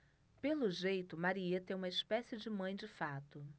pelo jeito marieta é uma espécie de mãe de fato